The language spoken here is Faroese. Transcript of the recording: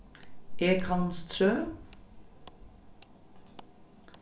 egholmstrøð